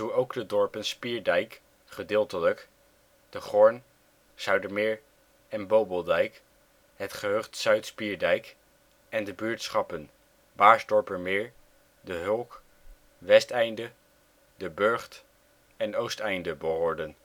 ook de dorpen Spierdijk (gedeeltelijk), De Goorn, Zuidermeer en Bobeldijk, het gehucht Zuid-Spierdijk en de buurtschappen Baarsdorpermeer, De Hulk, Westeinde, De Burgt, en Oosteinde behoorden